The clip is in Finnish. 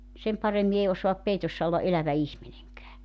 sen paremmin ei osaa peitossa olla elävä ihminenkään